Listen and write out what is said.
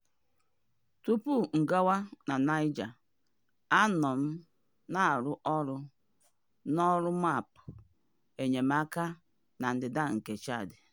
Tupu m agawa na Niger, anọ m na-arụ ọrụ n'ọrụ maapụ enyemaka na Ndịda nke Chad.